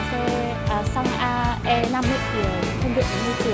xăng a e năm